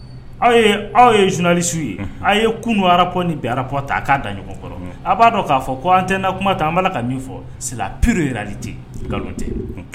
Aw aw ye journalistes ye, unhun, aw ye kunun rapport ni bi rapport ta a k'a da ɲɔgɔn kɔrɔ a b'a dɔn k'a fɔ an tɛ kuma ta an b'a la ka min fɔ c'est la pure réalité nkalon tɛ